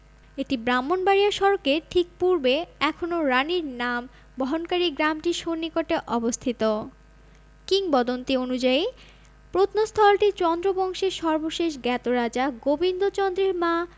এটি ব্রাহ্মণবাড়িয়া সড়কের ঠিক পূর্বে এখনও রানীর নাম বহনকারী গ্রামটির সন্নিকটে অবস্থিত কিংবদন্তী অনুযায়ী প্রত্নস্থলটি চন্দ্র বংশের সর্বশেষ জ্ঞাত রাজা গোবিন্দচন্দ্রের মা